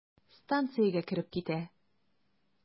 Станциягә кереп китә.